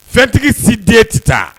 Fɛntigi si den tɛ taa